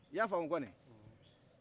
i ya famu koni